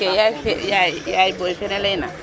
no ke yaay fe yaay boy fene layna ,